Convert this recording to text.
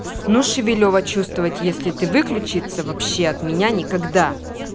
ну шевелева чувствовать если ты выключиться вообще от меня никогда